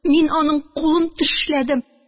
Мин аның кулын тешләдем.